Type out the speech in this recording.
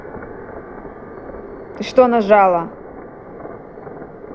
ты что нажала